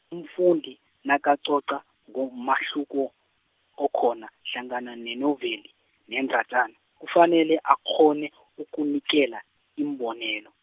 umfundi, nakacoca, ngomahluko, okhona hlangana nenovela, nendatjana, kufanele akghone nokunikela, iimbonelo.